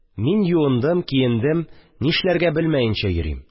Мин юындым, киендем, нишләргә белмәенчә йөрим